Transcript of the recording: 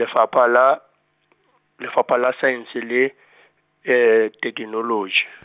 Lefapha la, Lefapha la Saense le , Thekenoloji .